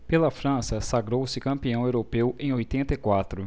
pela frança sagrou-se campeão europeu em oitenta e quatro